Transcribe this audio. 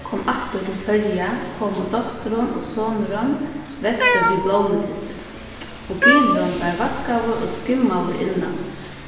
kom aftur til føroya komu dóttirin og sonurin vestur við blómutyssi og bilurin var vaskaður og skimmaður innan